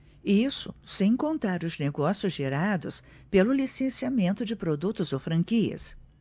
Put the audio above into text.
isso sem contar os negócios gerados pelo licenciamento de produtos ou franquias